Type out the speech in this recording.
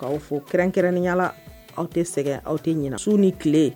K'aw fo kɛrɛnkɛrɛnnenya la, aw tɛ sɛgɛn, aw tɛ ɲinna su ni tile